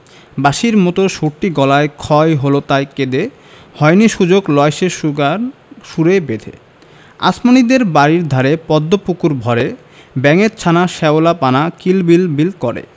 বাঁশির মতো সুরটি গলায় ক্ষয় হল তাই কেঁদে হয়নি সুযোগ লয় সে সুগান সুর গানের সুরে বেঁধে আসমানীদের বাড়ির ধারে পদ্ম পুকুর ভরে ব্যাঙের ছানা শ্যাওলা পানা কিল বিল বিল করে